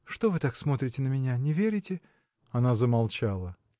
Что вы так смотрите на меня, не верите?. Она замолчала.